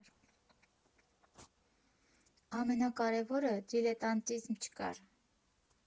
Ամենակարևորը՝ դիլետանտիզմ չկար։